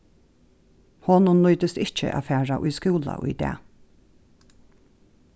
honum nýtist ikki at fara í skúla í dag